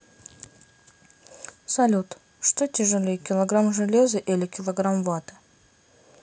салют что тяжелей килограмм железа или килограмм ваты